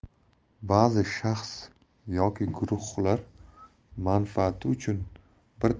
ba'zi shaxs yoki guruhlar manfaati uchun bir